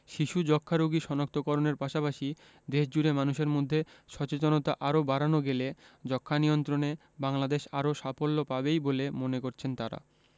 শিশু যক্ষ্ণারোগী শনাক্ত করণের পাশাপাশি দেশজুড়ে মানুষের মধ্যে সচেতনতা আরও বাড়ানো গেলে যক্ষ্মানিয়ন্ত্রণে বাংলাদেশ আরও সাফল্য পাবেই বলে মনে করছেন তারা